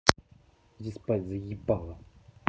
иди спать заебала